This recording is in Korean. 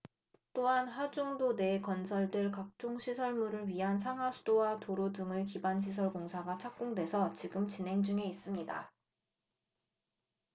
또한 하중도 내에 건설될 각종 시설물을 위한 상하수도와 도로 등의 기반시설 공사가 착공돼서 지금 진행 중에 있습니다